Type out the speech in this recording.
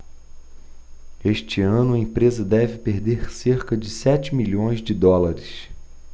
este ano a empresa deve perder cerca de sete milhões de dólares